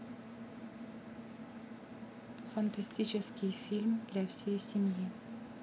фантастический фильм для всей семьи